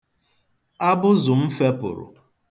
Abụzụ m fepụrụ.